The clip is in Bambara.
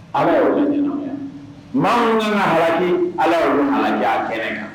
maa minnu ka kan ka halaki, Ala. y'o bɛɛ halaki a kɛnɛ kan.